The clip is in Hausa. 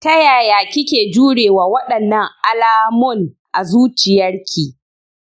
tayaya kike jure wa wadannan alamun a zuciyarki?